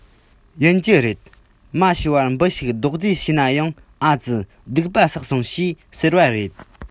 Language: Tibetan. ཡིན གྱི རེད མ ཤེས པར འབུ ཞིག རྡོག རྫིས བྱས ན ཡང ཨ ཙི སྡིག པ བསགས སོང ཞེས ཟེར བ རེད